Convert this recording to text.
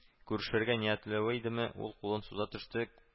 Күрешергә ниятләве идеме, уң кулын суза төште